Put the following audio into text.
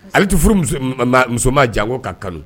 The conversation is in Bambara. Ale tɛ furu muso maa jan ko ka kanu